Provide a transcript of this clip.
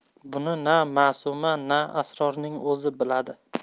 buni na ma'suma na asrorning o'zi biladi